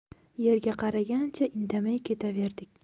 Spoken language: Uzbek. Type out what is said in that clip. yerga qaragancha indamay ketaverdik